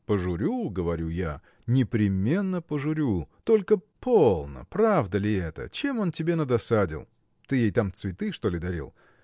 – Пожурю, – говорю я, – непременно пожурю только, полно, правда ли это? чем он тебе надосадил? Ты ей там цветы, что ли, дарил?.